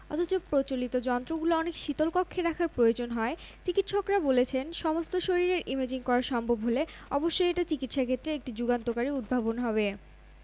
অথচ প্রচলিত যন্ত্রগুলো অনেক শীতল কক্ষে রাখার প্রয়োজন হয় চিকিৎসকরা বলছেন সমস্ত শরীরের ইমেজিং করা সম্ভব হলে অবশ্যই এটা চিকিৎসাক্ষেত্রে একটি যুগান্তকারী উদ্ভাবন হবে